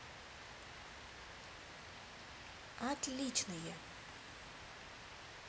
отличные